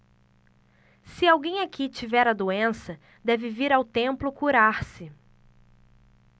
se alguém aqui tiver a doença deve vir ao templo curar-se